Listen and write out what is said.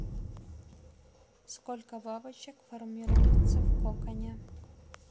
сколько бабочка формулируется в коконе